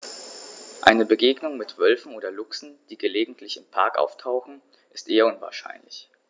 Eine Begegnung mit Wölfen oder Luchsen, die gelegentlich im Park auftauchen, ist eher unwahrscheinlich.